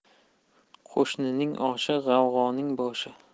qo'shnining oshi g'avg'oning boshi